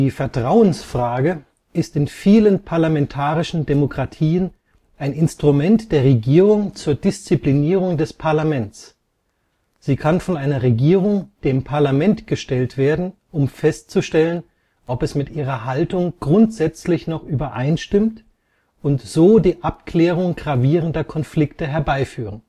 Vertrauensfrage ist in vielen parlamentarischen Demokratien ein Instrument der Regierung zur Disziplinierung des Parlaments. Sie kann von einer Regierung dem Parlament gestellt werden, um festzustellen, ob es mit ihrer Haltung grundsätzlich noch übereinstimmt und so die Abklärung gravierender Konflikte herbeiführen